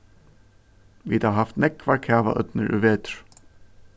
vit hava havt nógvar kavaódnir í vetur